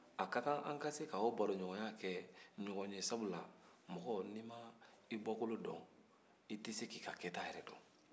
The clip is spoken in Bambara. a ka kan an ka se k'o baroɲɔgɔnya kɛ ɲɔgɔn ye sabula mɔgɔ n'i m'i bɔkolo dɔn i tɛ se k'i ka kɛta yɛrɛ dɔn